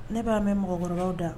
Ne b'a mɛn mɔgɔkɔrɔba da